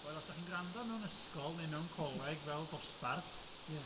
Wel, os 'dach chi'n gwrando mewn ysgol neu mewn coleg fel dosbarth... Ie.